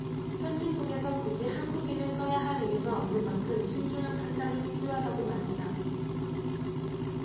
선진국에서 굳이 한국인을 써야할 이유가 없는 만큼 신중한 판단이 필요하다고 말했다